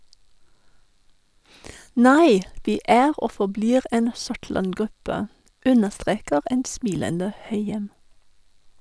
- Nei , vi er og forblir en Sortland-gruppe, understreker en smilende Høyem.